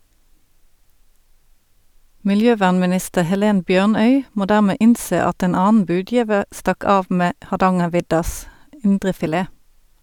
Miljøvernminister Helen Bjørnøy må dermed innse at en annen budgiver stakk av med «Hardangerviddas indrefilet».